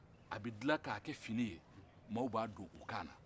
a bɛ dilan ka kɛ fini ye maaw b'a don u kan na